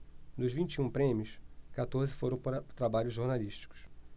dos vinte e um prêmios quatorze foram para trabalhos jornalísticos